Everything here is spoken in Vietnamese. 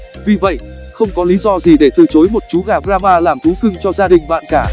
vì vậy không có lý do gì để từ chối một chú gà brahma làm thú cưng cho gia đình bạn cả